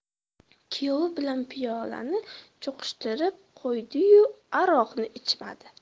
kuyovi bilan piyolani cho'qishtirib qo'ydiyu aroqni ichmadi